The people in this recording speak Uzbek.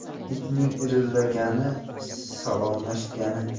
itning irrilagani salomlashgani